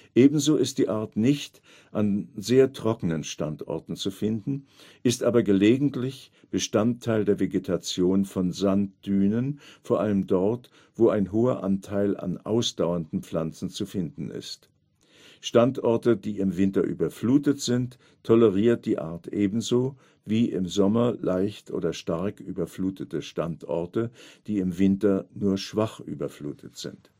Ebenso ist die Art nicht an sehr trockenen Standorten zu finden, ist aber gelegentlich Bestandteil der Vegetation von Sanddünen, vor allem dort, wo ein hoher Anteil an ausdauernden Pflanzen zu finden ist. Standorte, die im Winter überflutet sind, toleriert die Art ebenso wie im Sommer leicht oder stark überflutete Standorte, die im Winter nur schwach überflutet sind